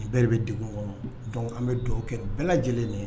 Nin bere de bɛ dugu kɔnɔ an bɛ dɔw kɛ bɛɛ lajɛlen de ye